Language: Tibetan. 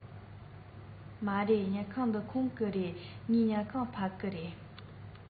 མ རེད ཉལ ཁང འདི ཁོང གི རེད ངའི ཉལ ཁང ཕ གི རེད